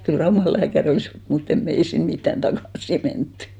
kyllä Raumalla lääkäri olisi ollut mutta emme me ei sinne mitään takaisin menty